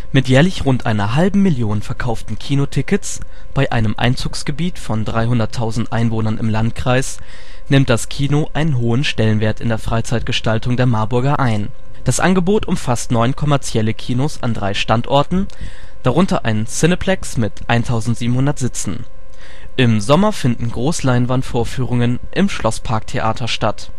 Mit jährlich rund einer halben Million verkauften Kinotickets (bei einem Einzugsgebiet von 300.000 Einwohnern im Landkreis) nimmt das Kino einen hohen Stellenwert in der Freizeitgestaltung der Marburger ein. Das Angebot umfasst neun kommerzielle Kinos an drei Standorten, darunter ein Cineplex mit 1700 Sitzen. Im Sommer finden Großleinwandvorführungen im Schlossparktheater statt